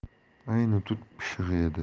ayni tut pishig'i edi